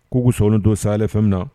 Ko'u sɔn don sa na